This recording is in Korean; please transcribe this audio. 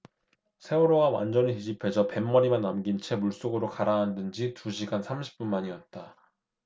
세월호가 완전히 뒤집혀져 뱃머리만 남긴 채 물속으로 가라앉은 지 두 시간 삼십 분 만이었다